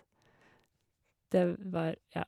Det var, ja.